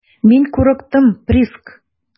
Мин курыктым, Приск.